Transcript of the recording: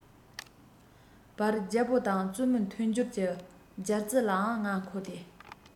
བར རྒྱལ པོ དང བཙུན མོའི མཐུན སྦྱོར གྱི སྦྱར རྩི ལའང ང མཁོ སྟེ